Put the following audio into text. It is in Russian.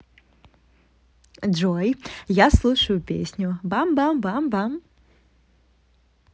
джой я слушаю песню бам бам бам бам